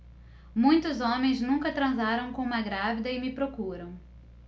muitos homens nunca transaram com uma grávida e me procuram